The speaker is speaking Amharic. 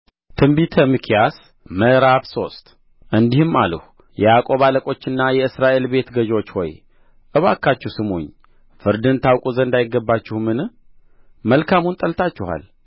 ትንቢተ ሚክያስ ምዕራፍ ሶስት እንዲህም አልሁ የያዕቆብ አለቆችና የእስራኤል ቤት ገዦች ሆይ እባካችሁ ስሙኝ ፍርድን ታውቁ ዘንድ አይገባችሁምን መልካሙን ጠልታችኋል